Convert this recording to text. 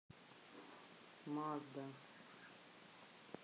мазда